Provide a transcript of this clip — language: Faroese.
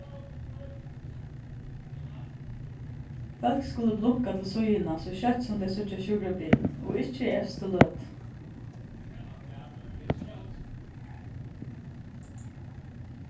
fólk skulu blunka til síðuna so skjótt sum tey síggja sjúkrabilin og ikki í evstu løtu